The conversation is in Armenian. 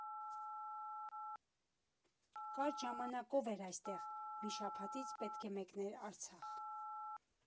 Կարճ ժամանակով էր այստեղ, մի շաբաթից պիտի մեկներ Արցախ։